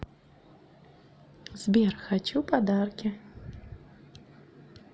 сбер хочу подарки